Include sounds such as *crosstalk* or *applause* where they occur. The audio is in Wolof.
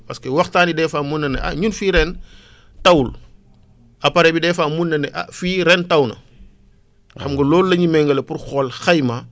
parce que waxtaan yi des fois mun na ne ah ñun fii ren *breath* tawul appareil bi des fois mun na ne ah fii ren taw na xam nga loolu la ñuy méngale pour xool xayma